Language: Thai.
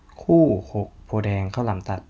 คู่หกโพธิ์แดงข้าวหลามตัด